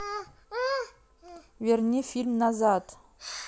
верни фильм назад